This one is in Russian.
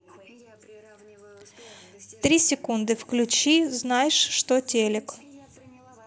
три секунды выключи знаешь что телик